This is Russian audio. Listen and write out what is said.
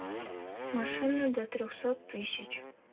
машины до трехсот тысяч